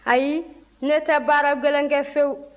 ayi ne tɛ baara gɛlɛnw kɛ fewu